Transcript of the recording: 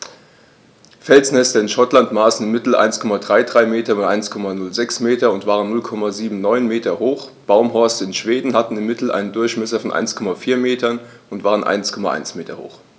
Felsnester in Schottland maßen im Mittel 1,33 m x 1,06 m und waren 0,79 m hoch, Baumhorste in Schweden hatten im Mittel einen Durchmesser von 1,4 m und waren 1,1 m hoch.